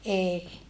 ei